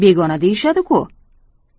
begona deyishadi ku